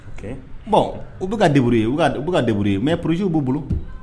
Bon u bɛ dauru u ka dauru mɛ pzsiww b'u bolo